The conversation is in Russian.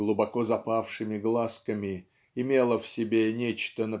глубоко запавшими глазками имело в себе нечто